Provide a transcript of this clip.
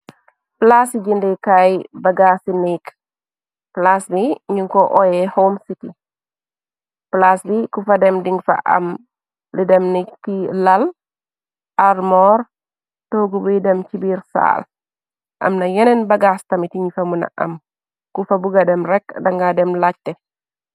Palasi jindikaay bagaas yu neeg plaas bi ñyun ko oye home city plas bi kufa dem ding fa am li dem ni ki laal armoor togu bui dem ci biir saal am na yeneen bagaas tamit yinfa muna am kufa buga dem rekk danga dem laajtex.